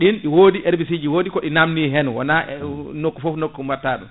ɗin wodi herbiciji wodi koɗi namdi hen wona nokku foof nokku batta ɗum